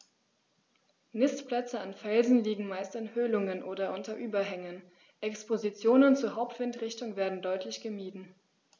Nistplätze an Felsen liegen meist in Höhlungen oder unter Überhängen, Expositionen zur Hauptwindrichtung werden deutlich gemieden.